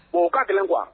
O ka gɛlɛn kuwa